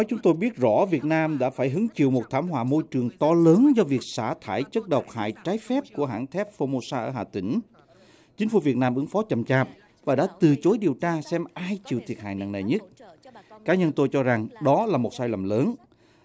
chúng tôi biết rõ việt nam đã phải hứng chịu một thảm họa môi trường to lớn cho việc xả thải chất độc hại trái phép của hãng thép fo mô sa hà tĩnh chính phủ việt nam ứng phó chậm chạp và đã từ chối điều tra xem ai chịu thiệt hại nặng nề nhất cá nhân tôi cho rằng đó là một sai lầm lớn